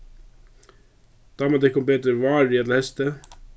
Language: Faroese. dámar tykkum betur várið ella heystið